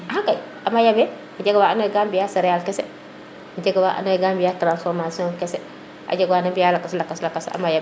axa kay a maya meen a jega wa ando naye ga mbiya céréale kese a jega wa ando naye ga mbiya tranformation kese a jaga wana mbiya lakas laks a maya meen